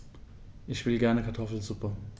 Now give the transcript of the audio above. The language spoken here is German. Ich will gerne Kartoffelsuppe.